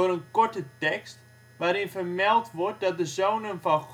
een korte tekst waarin vermeld wordt dat de zonen van